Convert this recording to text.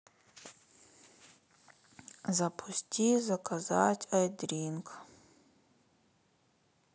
запусти заказать айдринк